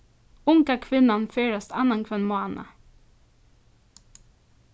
unga kvinnan ferðast annanhvønn mánað